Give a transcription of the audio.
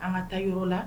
A ma taa yɔrɔ la